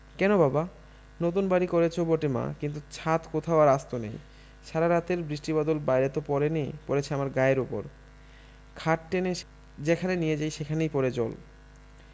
কেন বাবা নতুন বাড়ি করেচ বটে মা কিন্তু ছাত কোথাও আর আস্ত নেই সারা রাতের বৃষ্টি বাদল বাইরে ত পড়েনি পড়েচে আমার গায়ের উপর খাট টেনে যেখানে নিয়ে যাই সেখানেই পড়ে জল